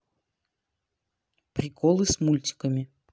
приколы с мультиками